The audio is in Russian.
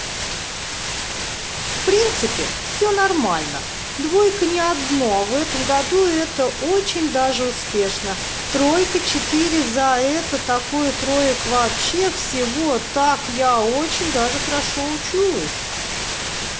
в принципе все нормально двойка не одно в этом году это очень даже успешно тройка четыре за это такое троек вообще всего так я очень даже хорошо учусь